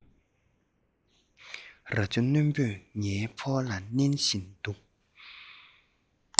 རྭ ཅོ རྣོན པོས ངའི ཕོ བ ལ བསྣུན བཞིན འདུག